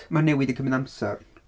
Mae newid yn cymryd amser.